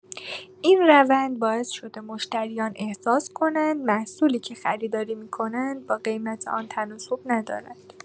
این روند باعث شده مشتریان احساس کنند محصولی که خریداری می‌کنند با قیمت آن تناسب ندارد.